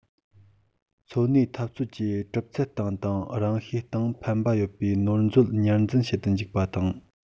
འཚོ གནས འཐབ རྩོད ཀྱིས གྲུབ ཚུལ སྟེང དང རང གཤིས སྟེང ཕན པ ཡོད པའི ནོར འཛོལ ཉར འཛིན བྱེད དུ འཇུག པ དང